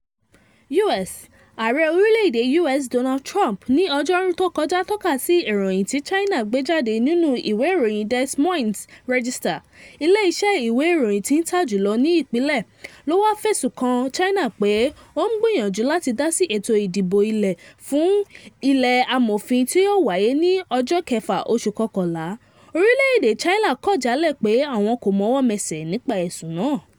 U.S. Ààrẹ orílẹ̀èdè U.S. Donald Trump ní Ọjọ́rú tó kọjá tọ́ka sí ìròyìn tí China gbé jáde nínú ìwé ìròyìn Des Moines Register- ilé-iṣẹ́ ìwé ìròyìn tí ń tà jùlọ ní ìpínlẹ̀ Iowa fẹ̀sùn kan China pé ó ń gbìyànjú láti dásí ètò ìdìbò ilé fún ilé amòfin tí yóò wáyé ní ọjọ́ kẹfà oṣù kọọkànlá. Orílẹ̀èdè China kọ̀ jálẹ̀ pé àwọn kò mọwọ́-mẹsẹ̀ nípa ẹ̀sùn náà.